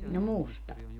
no musta